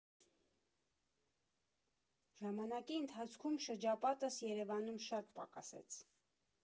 Ժամանակի ընթացքում շրջապատս Երևանում շատ պակասեց։